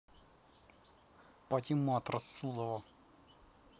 патимат расулова